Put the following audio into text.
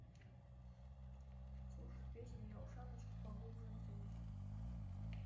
слушать песню я ушаночку поглубже натяну